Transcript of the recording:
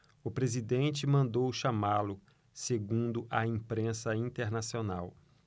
o presidente mandou chamá-lo segundo a imprensa internacional